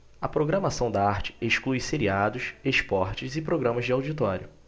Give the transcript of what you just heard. a programação da arte exclui seriados esportes e programas de auditório